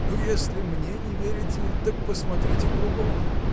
— Ну, если мне не верите, так посмотрите кругом.